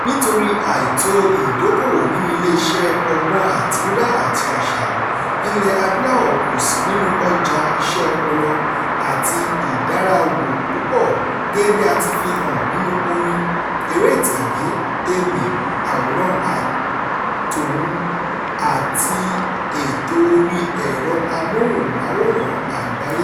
Nítorí àìtó ìdókoòwò nínú iléeṣẹ́ ọgbọ́n àtinudá àti àṣà, Ilẹ̀-Adúláwọ̀ kò sí nínú ọjà iṣẹ́ ọpọlọ, àti ìdáraáwò púpọ̀ gẹ́gẹ́ bí a ti fi hàn nínú orin, eré ìtàgé, ewì, àwòrán-àtohùn àti ètò orí ẹ̀rọ amóhùnmáwòrán àgbáyé.